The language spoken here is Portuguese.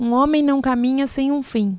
um homem não caminha sem um fim